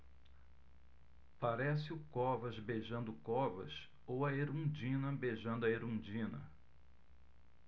parece o covas beijando o covas ou a erundina beijando a erundina